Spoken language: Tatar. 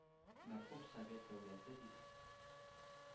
Мәрхүм совет дәүләте“ дип